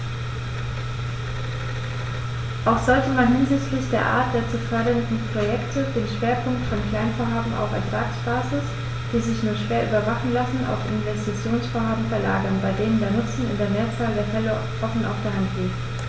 Auch sollte man hinsichtlich der Art der zu fördernden Projekte den Schwerpunkt von Kleinvorhaben auf Ertragsbasis, die sich nur schwer überwachen lassen, auf Investitionsvorhaben verlagern, bei denen der Nutzen in der Mehrzahl der Fälle offen auf der Hand liegt.